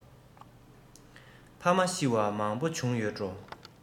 ཕ མ ཤི བ མང པོ བྱུང ཡོད འགྲོ